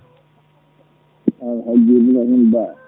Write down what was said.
eeyi * Ba